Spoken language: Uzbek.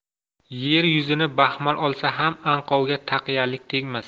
yer yuzini baxmal olsa ham anqovga taqiyalik tegmas